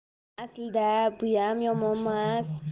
aslida buyam yomonmas